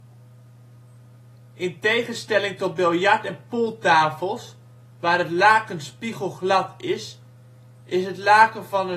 tegenstelling tot biljart - en pooltafels, waar het laken spiegelglad is, is het laken van